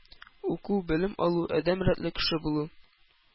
Уку, белем алу, адәм рәтле кеше булу.